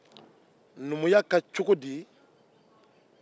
numuya kan cogo di